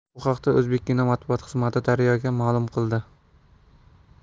bu haqda o'zbekkino matbuot xizmati daryo ga ma'lum qildi